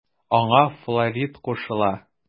Аңа Флорид кушыла.